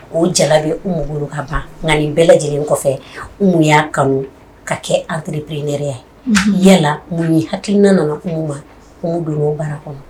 O jalabe u ka ban nka nin bɛɛ lajɛlenlen kɔfɛ mun y'a kanu ka kɛ an bilenɛya yalala mun ye hakiliina nana u ma nu don o bara kɔnɔ